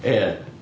Ie.